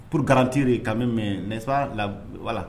P garantiere ka mɛ nsa la wala la